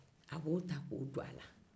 a bɛ o ta k'o don a la